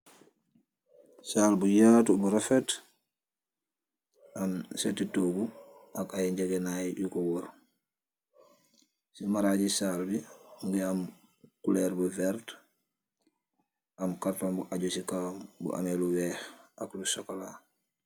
Sal bu yatou bu refet bu aam seti togu ak ay ngegenay yu ko worr maragi sal bi mogi aam colur bu vert am carton bu aju si kawam bu ameh lu weex ak lu chocola.